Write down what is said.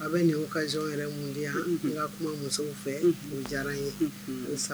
Aw bɛ ka yɛrɛ mun di yan n ka kuma musow fɛ diyara ye